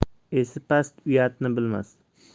esi past uyatni bilmas